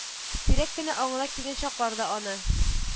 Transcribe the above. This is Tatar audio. Сирәк кенә аңына килгән чакларда аны